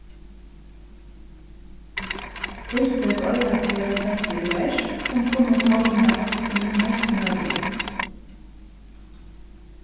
tiltøk eiga at verða sett í verk sum kunnu tálma rottuni mest møguligt